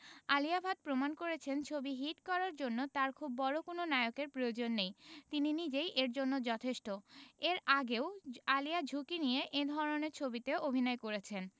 আলিয়া ভাট প্রমাণ করেছেন ছবি হিট করার জন্য তার খুব বড় কোনো নায়কের প্রয়োজন নেই তিনি নিজেই এর জন্য যথেষ্ট এর আগেও আলিয়া ঝুঁকি নিয়ে এ ধরনের ছবিতে অভিনয় করেছেন